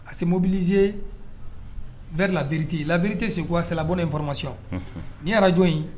A se mobiliser vers la vérité. La vérité c'est quoi? C'est la bonne information Ni Radio in